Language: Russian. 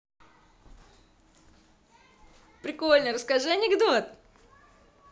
прикольно расскажи анекдот